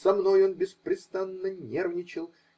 Со мной он беспрестанно нервничал.